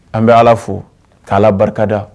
An bɛ Ala fo ka Ala barikada